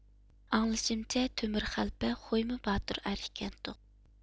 ئاڭلىشىمچە تۆمۈر خەلپە خويمۇ باتۇر ئەر ئىكەنتۇق